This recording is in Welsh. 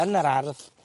yn yr ardd,